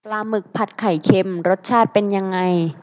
ปลาหมึกผัดไข่เค็มรสชาติเป็นยังไง